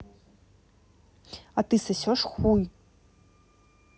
а ты сосешь хуй